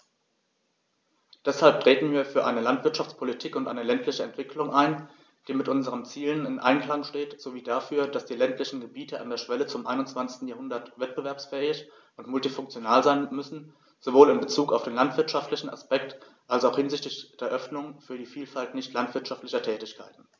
Deshalb treten wir für eine Landwirtschaftspolitik und eine ländliche Entwicklung ein, die mit unseren Zielen im Einklang steht, sowie dafür, dass die ländlichen Gebiete an der Schwelle zum 21. Jahrhundert wettbewerbsfähig und multifunktional sein müssen, sowohl in bezug auf den landwirtschaftlichen Aspekt als auch hinsichtlich der Öffnung für die Vielfalt nicht landwirtschaftlicher Tätigkeiten.